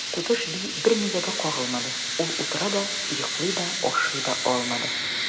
Тотыш би бернигә дә кагылмады, ул утыра да, йоклый да, ашый да алмады.